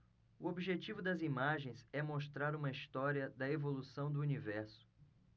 o objetivo das imagens é mostrar uma história da evolução do universo